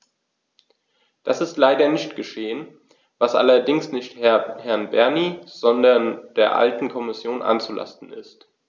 Das ist leider nicht geschehen, was allerdings nicht Herrn Bernie, sondern der alten Kommission anzulasten ist.